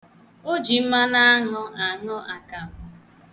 O ji mmanụaṅụ aṅụ akam.